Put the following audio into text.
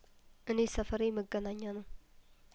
እኔ ሰፈሬ መገናኛ ነው